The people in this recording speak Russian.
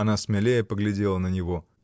— Она смелее поглядела на него.